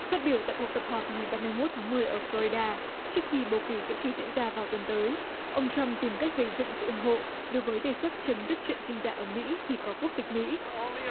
phát biểu tại cuộc tập họp ngày ba mươi mốt tháng mười ở phờ lo ri đa trước khi bầu cử giữa kỳ diễn ra vào tuần tới ông trăm tìm cách gây dựng sự ủng hộ đối với đề xuất chấm dứt chuyện sinh ra ở mỹ thì có quốc tịch mỹ